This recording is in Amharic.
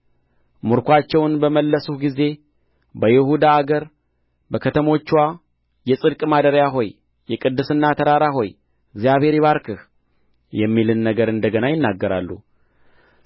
ምርኮአቸውን በመለስሁ ጊዜ በይሁዳ አገር በከተሞችዋ የጽድቅ ማደሪያ ሆይ የቅድስና ተራራ ሆይ እግዚአብሔር ይባርክህ የሚልን ነገር እንደ ገና ይናገራሉ